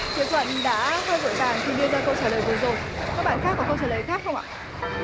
hiệp thuận đã hơi vội vàng khi đưa ra câu trả lời vừa rồi các bạn khác có câu trả lời khác không ạ